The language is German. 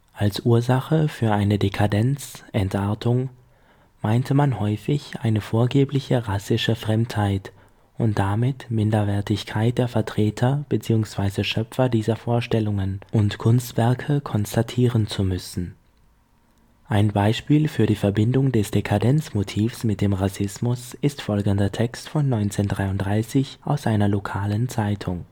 Als Ursache für eine " Dekadenz/Entartung " meinte man häufig, eine vorgebliche rassische Fremdheit und damit Minderwertigkeit der Vertreter bzw. Schöpfer dieser Vorstellungen und Kunstwerke konstatieren zu müssen. Ein Beispiel für die Verbindung des Dekadenzmotivs mit dem Rassismus ist folgender Text von 1933 aus einer lokalen Zeitung